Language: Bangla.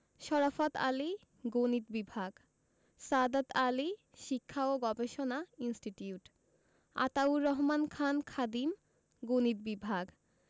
শরাফৎ আলী গণিত বিভাগ সাদত আলী শিক্ষা ও গবেষণা ইনস্টিটিউট আতাউর রহমান খান খাদিম গণিত বিভাগ